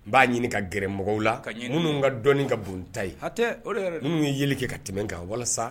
N b'a ɲini ka gɛrɛ mɔgɔw la ka minnu ka dɔnni ka bonta ye hatɛ minnu ye yeli kɛ ka tɛmɛ kan walasa